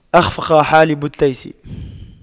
أَخْفَقَ حالب التيس